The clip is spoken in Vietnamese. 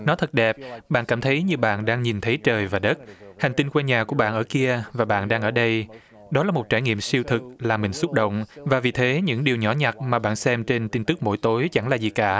nó thật đẹp bạn cảm thấy như bạn đang nhìn thấy trời và đất hành tinh quê nhà của bạn ở kia và bạn đang ở đây đó là một trải nghiệm siêu thực là mình xúc động và vì thế những điều nhỏ nhặt mà bạn xem trên tin tức mỗi tối chẳng là gì cả